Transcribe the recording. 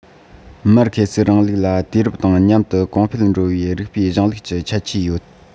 མར ཁེ སིའི རིང ལུགས ལ དུས རབས དང མཉམ དུ གོང འཕེལ འགྲོ བའི རིགས པའི གཞུང ལུགས ཀྱི ཁྱད ཆོས ཡོད